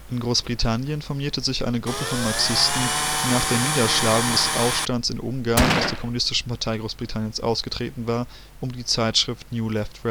Großbritannien formierte sich eine Gruppe von Marxisten, die nach der Niederschlagung des Aufstands in Ungarn aus der Kommunistischen Partei Großbritanniens ausgetreten war, um die Zeitschrift New Left Review